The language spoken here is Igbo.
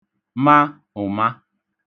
ma ụ̀ma